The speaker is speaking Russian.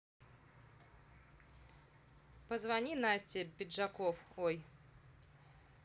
позвони насте пиджаков ой